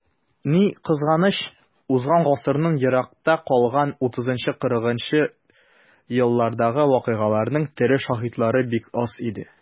Ни кызганыч, узган гасырның еракта калган 30-40 нчы елларындагы вакыйгаларның тере шаһитлары бик аз инде.